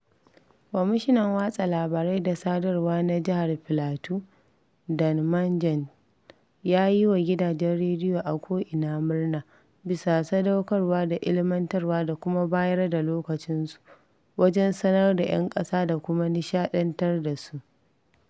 Kwamishinan Watsa Labarai da Sadarwa na Jihar Filato Dan Manjang ya yi wa gidajen radiyo a ko'ina murna, ''bisa sadaukarwa da ilimantarwa da kuma bayar da lokacinsu" wajen sanar da 'yan ƙasa da kuma nishaɗantar da su: